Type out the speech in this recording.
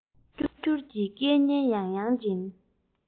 ཀྱུར ཀྱུར གྱི སྐད སྙན ཡང ཡང འབྱིན